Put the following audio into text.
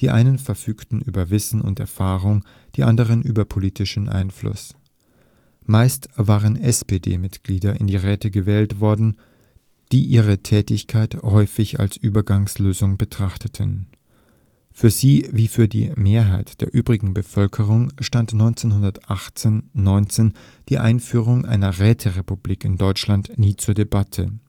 einen verfügten über Wissen und Erfahrung, die anderen über politischen Einfluss. Meist waren SPD-Mitglieder in die Räte gewählt worden, die ihre Tätigkeit häufig als Übergangslösung betrachteten. Für sie wie für die Mehrheit der übrigen Bevölkerung stand 1918 / 19 die Einführung einer Räterepublik in Deutschland nie zur Debatte